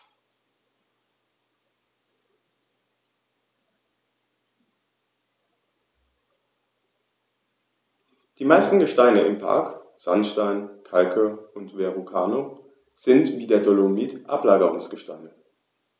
Die meisten Gesteine im Park – Sandsteine, Kalke und Verrucano – sind wie der Dolomit Ablagerungsgesteine.